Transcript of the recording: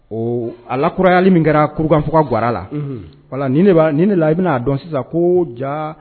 O a lakurayali min kɛra Kurukanfuga nin ne la i bɛna a dɔn sisan ko ja